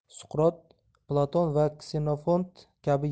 suqrot platon va ksenofont kabi